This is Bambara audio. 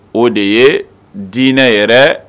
O de ye dinɛ yɛrɛ